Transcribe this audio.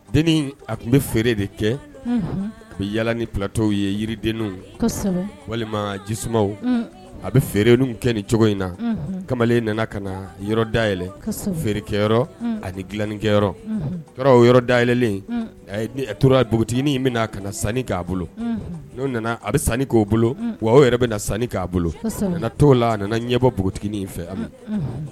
Den a tun bɛ feere de kɛ a bɛ yaa ni filalatɔw ye yiriden walima jisuma a bɛ feere kɛ ni cogo in na kamalen nana ka na yɔrɔ day yɛlɛɛlɛn feerekɛyɔrɔ ani dilainkɛ tora o yɔrɔ day yɛlɛlen a tora npogoinin in bɛna a ka na sanu k'a bolo n'o nana a bɛ sanuni k'o bolo wa aw yɛrɛ bɛ na sanu k kɛ'a bolo to la a nana ɲɛ bɔ npogotinin fɛ